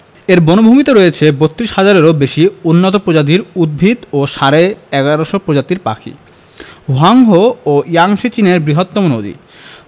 এর বনভূমিতে রয়েছে ৩২ হাজারেরও বেশি উন্নত প্রজাতির উদ্ভিত ও সাড়ে ১১শ প্রজাতির পাখি হোয়াংহো ও ইয়াংসি চীনের বৃহত্তম নদী